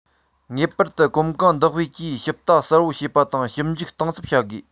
ངེས པར དུ གོམ གང མདུན སྤོས ཀྱིས ཞིབ ལྟ གསལ པོ བྱེད པ དང ཞིབ འཇུག གཏིང ཟབ བྱ དགོས